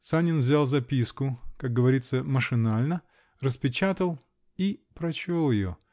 Санин взял записку -- как говорится, машинально, -- распечатал и прочел ее.